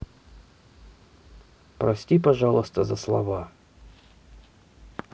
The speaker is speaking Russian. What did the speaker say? прости пожалуйста за слова